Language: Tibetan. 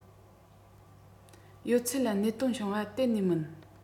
ཡོད ཆད ལ གནད དོན བྱུང བ གཏན ནས མིན